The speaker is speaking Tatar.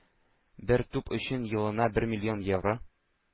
Бер туп өчен елына бер миллион евро